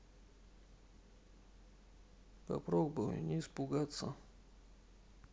попробуй не испугаться